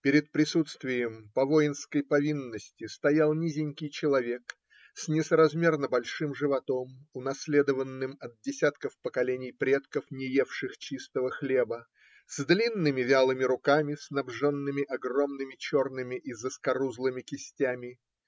Перед присутствием по воинской повинности стоял низенький человек, с несоразмерно большим животом, унаследованным от десятков поколений предков, не евших чистого хлеба, с длинными, вялыми руками, снабженными огромными черными и заскорузлыми кистями.